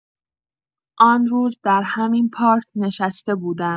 آن روز در همین پارک نشسته بودم.